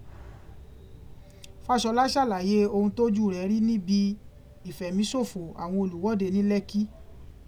Faṣọlá ṣàlàyé ohun tójú rẹ̀ rí níbi ìfẹ̀míṣòfò àwọn olùwọde ní Lẹ́kí.